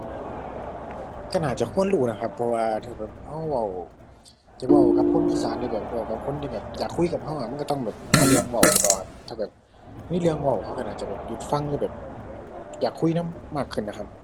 ก็น่าจะควรรู้นะครับ เพราะว่าถ้าแบบก็เว้า จะเว้ากับคนอีสานหรือแบบเว้ากับคนที่แบบอยากคุยกับก็อะ มันก็ต้องแบบหาเรื่องเว้าหรือเปล่าครับ ถ้าแบบมีเรื่องเว้าเขาก็น่าจะแบบหยุดฟังหรือแบบอยากคุยนำมากขึ้นน่ะครับ